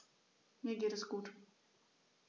Mir geht es gut.